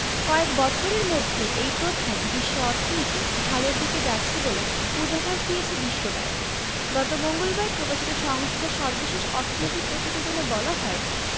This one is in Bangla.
কয়েক বছরের মধ্যে এই প্রথম বিশ্ব অর্থনীতি ভালোর দিকে যাচ্ছে বলে পূর্বাভাস দিয়েছে বিশ্বব্যাংক গত মঙ্গলবার প্রকাশিত সংস্থার সর্বশেষ অর্থনৈতিক প্রতিবেদনে বলা হয়